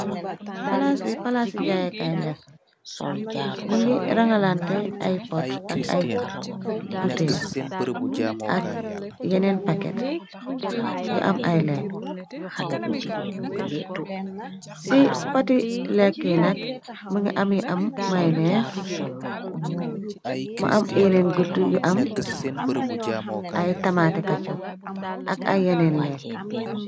Palaas bi palaas ci jaayeekaay lekk la ni ngi rangalante ay pot ak ay botel ak yeneen packet yu am aye lekk se pote lekke yi nak mi nga am yu am maynees mu am yeneen gutu yu am ay tamaate kecop ak ay yeneen lekk.